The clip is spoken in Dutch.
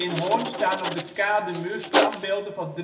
Hoorn staan op de kademuur standbeelden van